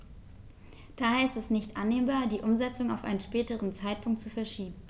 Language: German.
Daher ist es nicht annehmbar, die Umsetzung auf einen späteren Zeitpunkt zu verschieben.